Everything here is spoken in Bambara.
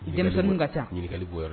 Denmisɛnw min ka taa ɲininkakali bɔ